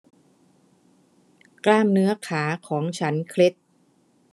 กล้ามเนื้อขาของฉันเคล็ด